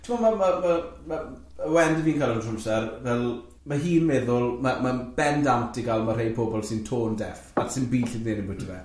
t'mo' ma' ma' ma' ma' Wen dwi'n ca'l yn y tro amser, fel, ma' hi'n meddwl, ma' ma'n bendant i ga'l ma' rhei pobl sy'n tone-deaf, at syn byd lle'n neud ambwtio fe.